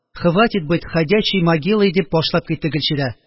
Хватит быть ходячей могилой, – дип башлап китте гөлчирә